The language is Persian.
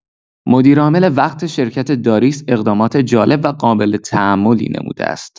مدیر عامل وقت شرکت داریس اقدامات جالب و قابل تاملی نموده است.